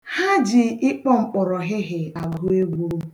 Ha ji ịkpọ mkpọrọhịhị agụ egwu.